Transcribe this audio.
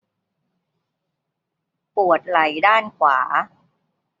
ปวดไหล่ด้านขวา